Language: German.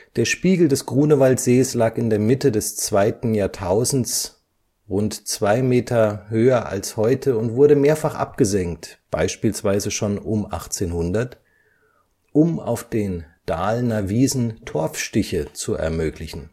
Der Spiegel des Grunewaldsees lag in der Mitte des zweiten Jahrtausends rund zwei Meter höher als heute und wurde mehrfach abgesenkt, beispielsweise schon um 1800, um auf den Dahlemer Wiesen Torfstiche zu ermöglichen